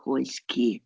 Ceis ci.